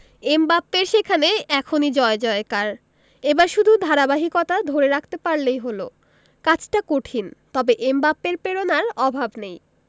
এমবাপ্পের সেখানে এখনই জয়জয়কার এবার শুধু ধারাবাহিকতাটা ধরে রাখতে পারলেই হলো কাজটা কঠিন তবে এমবাপ্পের প্রেরণার অভাব নেই